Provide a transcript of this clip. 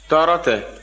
tɔɔrɔ tɛ